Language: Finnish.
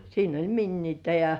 siinä oli miniää ja